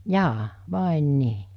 jaa vai niin